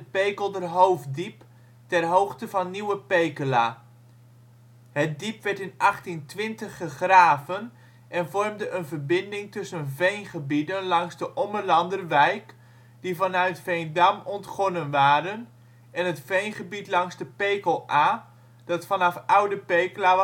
Pekelder Hoofddiep, ter hoogte van Nieuwe Pekela. Het diep werd in 1820 gegraven en vormde een verbinding tussen veengebieden langs de Ommelanderwijk, die vanuit Veendam ontgonnen waren, en het veengebied langs de Pekel-Aa, dat vanaf Oude Pekela